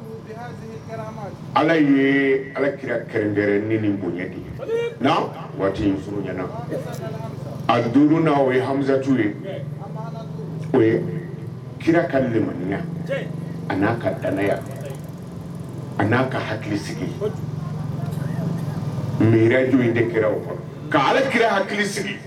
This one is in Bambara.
Ala ye ala kira kɛrɛn ni ni bonya de ye waati in furu ɲɛna a don n' ye hamisatu ye o kira ka leminya a n'a ka danya a'a ka hakili sigi mɛ yɛrɛju de kira o kɔnɔ ka ala kira hakili sigi